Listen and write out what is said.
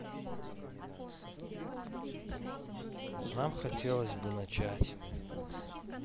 нам хотелось бы начать